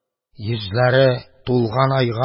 Йөзләре тулган